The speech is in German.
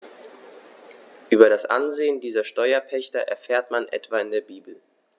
Über das Ansehen dieser Steuerpächter erfährt man etwa in der Bibel.